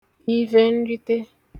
ivenrite